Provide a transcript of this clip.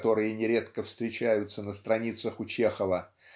которые нередко встречаются на страницах у Чехова